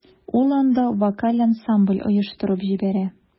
Ул анда вокаль ансамбль оештырып җибәрә.